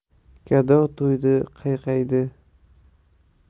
gado to'ydi qayqaydi